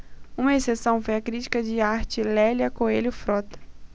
uma exceção foi a crítica de arte lélia coelho frota